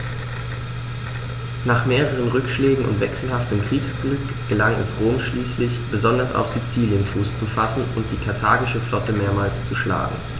Nach mehreren Rückschlägen und wechselhaftem Kriegsglück gelang es Rom schließlich, besonders auf Sizilien Fuß zu fassen und die karthagische Flotte mehrmals zu schlagen.